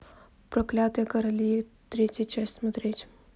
проклятые короли третья часть смотреть